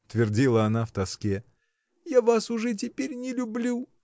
— твердила она в тоске, — я вас уже теперь не люблю.